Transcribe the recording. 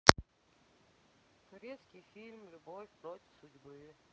турецкий фильм любовь против судьбы